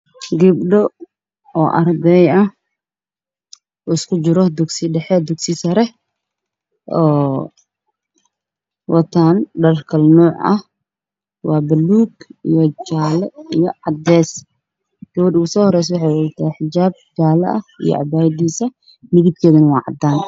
Halkaan waxaa ka muuqdo gabdho arday ah waxayna ku fadhiyaan kuraas guduud ah midabka dhar ay qabaan waa buluug, jaalo iyo cadays